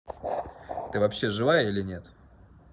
ты вообще живая или нет